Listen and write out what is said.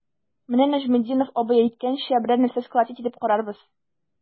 Менә Нәҗметдинов абый әйткәнчә, берәр нәрсә сколотить итеп карарбыз.